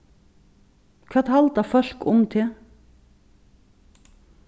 hvat halda fólk um teg